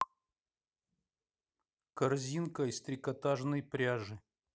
корзинка из трикотажной пряжи